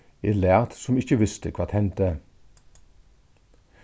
eg læt sum eg ikki visti hvat hendi